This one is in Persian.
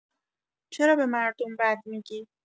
چرا به مردم بد می‌گی؟